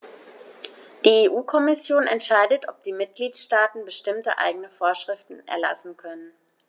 Die EU-Kommission entscheidet, ob die Mitgliedstaaten bestimmte eigene Vorschriften erlassen können.